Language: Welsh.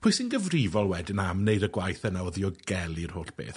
Pwy sy'n gyfrifol wedyn am wneud y gwaith yna o ddiogelu'r holl beth?